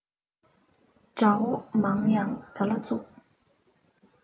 དགྲ བོ མང ཡང ག ལ ཚུགས